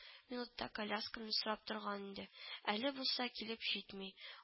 Минутта коляскамны сорап торган иде… әле булса килеп җитми